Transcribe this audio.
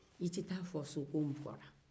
i tɛ taa a fɔ so ko n'bugɔ la